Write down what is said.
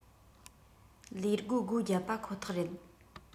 ལས སྒོ སྒོ བརྒྱབ པ ཁོ ཐག རེད